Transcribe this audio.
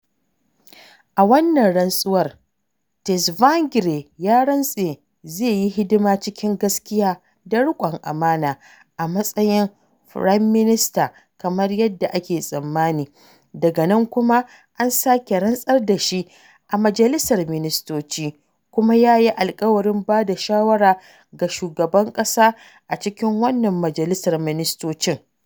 A wannan rantsuwar, Tsvangirai ya rantse zai yi hidima cikin gaskiya da riƙon amana a matsayin Firayim Minista, kamar yadda ake tsammani, daga nan kuma an sake rantsar da shi a majalisar ministoci, kuma ya yi alƙawarin bada shawara ga shugaban ƙasa a cikin wannan majalisar ministocin .